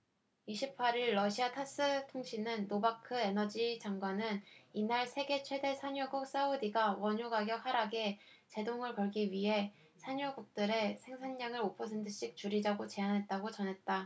이십 팔 일 러시아 타스 통신은 노바크 에너지장관은 이날 세계 최대 산유국 사우디가 원유가격 하락에 제동을 걸기 위해 산유국들에 생산량을 오 퍼센트씩 줄이자고 제안했다고 전했다